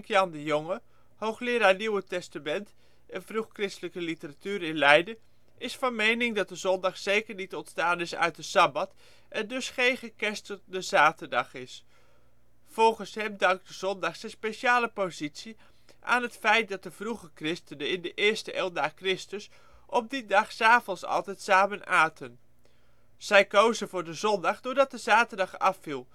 Jan de Jonge, hoogleraar Nieuwe Testament en vroegchristelijke literatuur in Leiden, is van mening dat de zondag zeker niet ontstaan is uit de sabbat en het dus geen gekerstende zaterdag is. Volgens hem dankt de zondag zijn speciale positie aan het feit dat de vroege christenen in de eerste eeuw na Christus op die dag’ s avonds altijd samen aten. Zij kozen voor de zondag doordat de zaterdag afviel